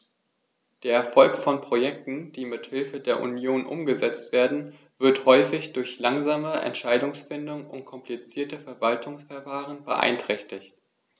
Der Erfolg von Projekten, die mit Hilfe der Union umgesetzt werden, wird häufig durch langsame Entscheidungsfindung und komplizierte Verwaltungsverfahren beeinträchtigt.